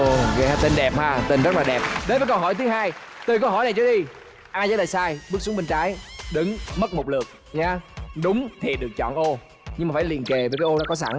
ồ nghe tên đẹp ha tên rất là đẹp đến với câu hỏi thứ hai từ câu hỏi này trở đi ai trả lời sai bước xuống bên trái đứng mất một lượt nhé đúng thì được chọn ô nhưng mà phải liền kề với cái ô đó có sẵn